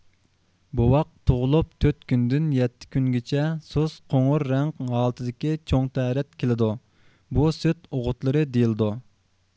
بوۋاق تۇغۇلۇپ تۆت كۈندىن يەتتە كۈنگىچە سۇس قوڭۇر رەڭ ھالىتىدىكى چوڭ تەرەت كېلىدۇ بۇ سۈت ئوغۇتلىرى دېيىلىدۇ